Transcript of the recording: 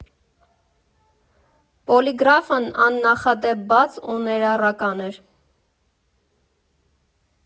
Պոլիգրաֆն աննախադեպ բաց ու ներառական էր։